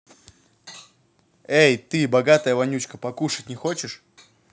эй ты бохатая вонючка покушать не хочешь